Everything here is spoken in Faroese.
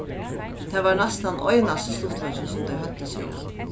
tað var næstan einasti stuttleikin sum tey høvdu sigur hann